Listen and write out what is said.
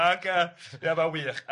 Ac yy ia ma'n wych.